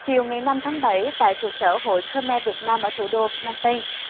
chiều ngày năm tháng bảy tại trụ sở hội khơ me việt nam ở thủ đô phờ nông pênh